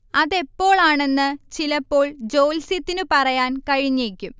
അതെപ്പോൾ ആണെന്ന് ചിലപ്പോൾ ജ്യോല്സ്യത്തിനു പറയാൻ കഴിഞ്ഞേക്കും